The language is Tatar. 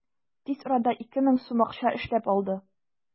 Тиз арада 2000 сум акча эшләп алды.